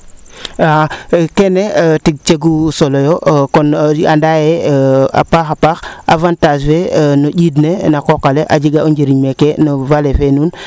keene tig cegu solo yo kon andaa ye a paaxa paax avantage fee no njiind ne na qooqale a jega o njiriñ meeke no vallé fee nuun